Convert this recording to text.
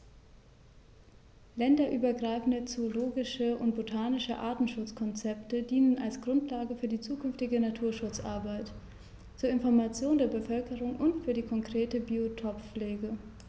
Länderübergreifende zoologische und botanische Artenschutzkonzepte dienen als Grundlage für die zukünftige Naturschutzarbeit, zur Information der Bevölkerung und für die konkrete Biotoppflege.